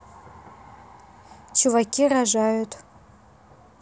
чуваки рожают